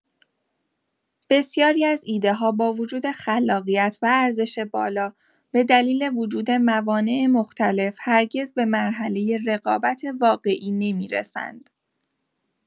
بسیاری از ایده‌ها با وجود خلاقیت و ارزش بالا، به دلیل وجود موانع مختلف هرگز به مرحله رقابت واقعی نمی‌رسند.